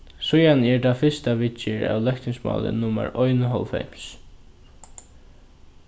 síðani er tað fyrsta viðgerð av løgtingsmáli nummar einoghálvfems